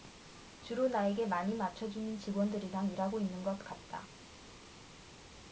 주로 나에게 많이 맞춰주는 직원들이랑 일하고 있는 것 같다